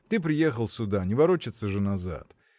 Ты приехал сюда, не ворочаться же назад